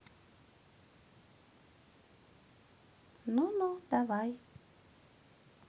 ну ну давай